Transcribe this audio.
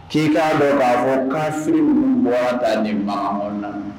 K'i'a dɔn fo ka se bɔrada nin ma mɔn na